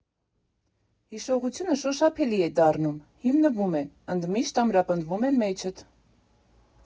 Հիշողությունը շոշափելի է դառնում, հիմնվում է, ընդմիշտ ամրապնդվում է մեջդ։